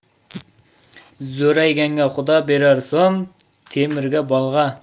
zo'rayganga xudo berar so'm temirga bolg'a